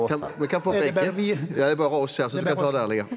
kan vi kan få begge ja det er bare oss ja så vi kan ta det ærlige.